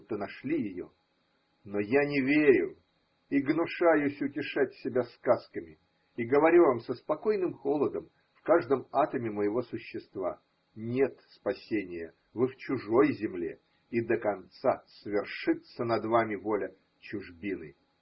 будто нашли ее, – но я не верю и гнушаюсь утешать себя сказками, и говорю вам со спокойным холодом в каждом атоме моего существа: нет спасения, вы в чужой земле, и до конца свершится над вами воля чужбины!